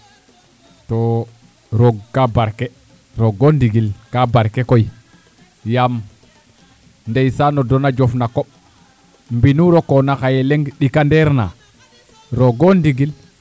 too roog kaa barke roog o ndigil kaa barke koy yaam ndeysaan o don a jof na koɓ mbind nu rokoona xaye leŋ ɗikandeer na roog o ndigil